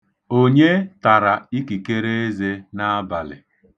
Onye tara ikikereeze n'abalị?